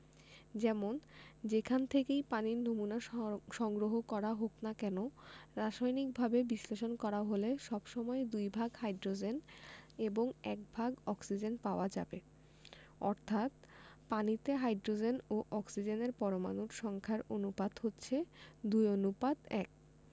যেমন যেখান থেকেই পানির নমুনা সংগ্রহ করা হোক না কেন রাসায়নিকভাবে বিশ্লেষণ করা হলে সব সময় দুই ভাগ হাইড্রোজেন এবং এক ভাগ অক্সিজেন পাওয়া যাবে অর্থাৎ পানিতে হাইড্রোজেন ও অক্সিজেনের পরমাণুর সংখ্যার অনুপাত হচ্ছে ২ অনুপাত ১